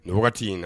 Ni wagati in na